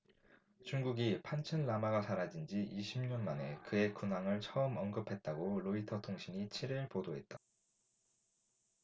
중국이 판첸 라마가 사라진 지 이십 년 만에 그의 근황을 처음 언급했다고 로이터통신이 칠 일 보도했다